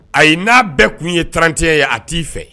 Ayi n'a bɛɛ tun ye trantiya ye a t'i fɛ